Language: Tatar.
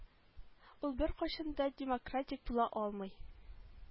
Ул беркайчан да демократик була алмый